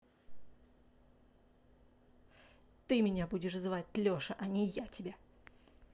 ты меня будешь звать леша а не я тебя